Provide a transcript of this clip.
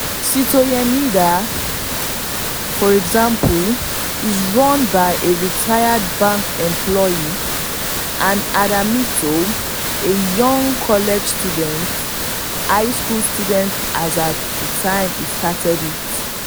Citoyen Hmida, for example, is run by a retired bank employee; and Adamito by a young college student (high school student at the time he started it).